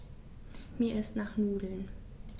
Mir ist nach Nudeln.